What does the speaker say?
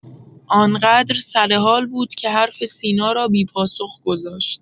ان قدر سرحال بود که حرف سینا را بی‌پاسخ گذاشت.